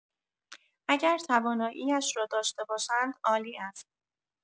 اگر توانایی‌اش را داشته باشند عالی است.